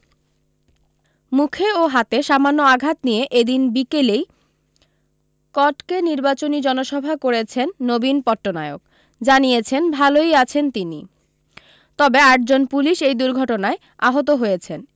মুখে ও হাতে সামান্য আঘাত নিয়ে এ দিন বিকেলই কটকে নির্বাচনী জনসভা করেছেন নবীন পট্টনায়ক জানিয়েছেন ভালই আছেন তিনি তবে আট জন পুলিশ এই দুর্ঘটনায় আহত হয়েছেন